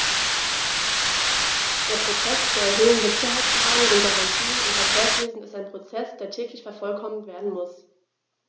Der Prozess zur Erhöhung der Sicherheitsmargen und -garantien im Verkehrswesen ist ein Prozess, der täglich vervollkommnet werden muss.